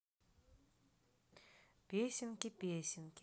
песенки песенки